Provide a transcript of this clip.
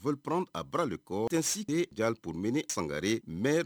Vpr a baara de kɔ kɛnsi jaurminɛe sangare mɛn